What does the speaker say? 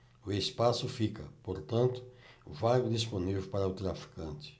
o espaço fica portanto vago e disponível para o traficante